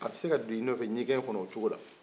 a bese ka do i nɔfɛ ɲɛkɛ kɔnɔn o cogola